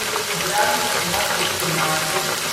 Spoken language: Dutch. de gebruikers gemakkelijk te maken